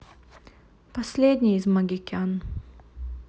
последний из могикян